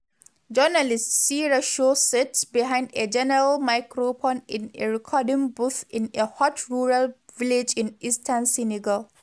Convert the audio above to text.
Journalist Sira Sow sits behind a green microphone in a recording booth in a hot rural village in eastern Senegal.